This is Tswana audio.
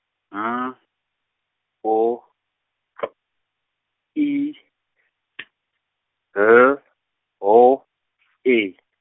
M, O, P, I, T, L, O, E.